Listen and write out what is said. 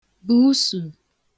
busù